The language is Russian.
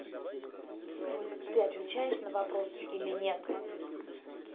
ты отвечаешь на вопросы или нет